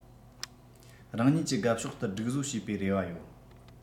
རང ཉིད ཀྱི དགའ ཕྱོགས ལྟར སྒྲིག བཟོ བྱས པའི རེ བ ཡོད